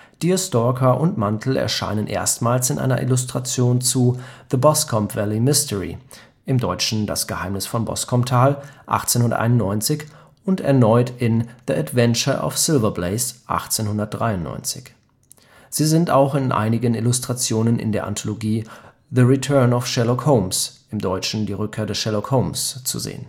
Deerstalker und Mantel erscheinen erstmals in einer Illustration zu The Boscombe Valley Mystery (dt.: Das Geheimnis vom Boscombe-Tal) 1891 und erneut in The Adventure of Silver Blaze (dt.: Silberstrahl) 1893. Sie sind auch in einigen Illustrationen in der Anthologie The Return of Sherlock Holmes (dt.: Die Rückkehr des Sherlock Holmes) zu sehen